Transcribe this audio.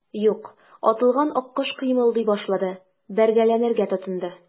Юк, атылган аккош кыймылдый башлады, бәргәләнергә тотынды.